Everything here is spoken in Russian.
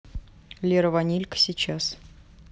лера ванилька сейчас